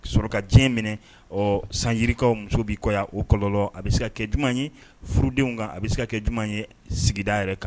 Sɔrɔ diɲɛ minɛ ɔ sanjikaw muso'i kɔ o kɔlɔ a bɛ se ka kɛ jumɛn ye furudenw kan a bɛ se ka kɛ ɲuman ye sigida yɛrɛ kan